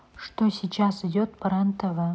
что сейчас идет по рен тв